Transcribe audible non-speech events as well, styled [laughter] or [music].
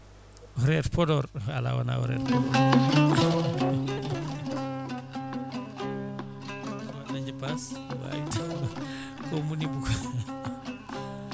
horaire Podor ala wona horaire [music] [laughs] o suuwa dañje passe [laughs] ne wawi ko * [laughs]